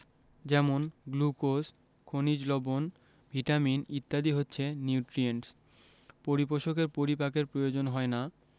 যেমন গ্লুকোজ খনিজ লবন ভিটামিন ইত্যাদি হচ্ছে নিউট্রিয়েন্টস পরিপোষকের পরিপাকের প্রয়োজন হয় না